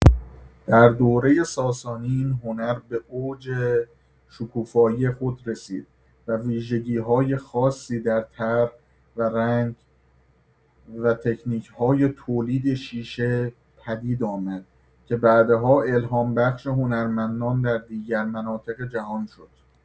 در دوره ساسانی این هنر به اوج شکوفایی خود رسید و ویژگی‌های خاصی در طرح و رنگ و تکنیک‌های تولید شیشه پدید آمد که بعدها الهام‌بخش هنرمندان در دیگر مناطق جهان شد.